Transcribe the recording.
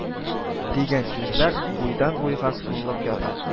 Дигән сүзләр буйдан-буйга сузылып ята